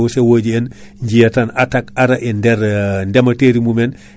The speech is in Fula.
eyyi hande o ne wayno Aprostar kam ɗo haltata ɗo ko daamal gotal